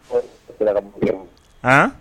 han?